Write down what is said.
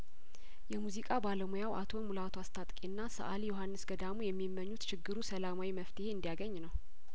የሙዚቃ ባለሙያው አቶ ሙላቱ አስታጥቄና ሰአሊ ዮሀንስ ገዳሙ የሚመኙት ችግሩ ሰላማዊ መፍትሄ እንዲያገኝ ነው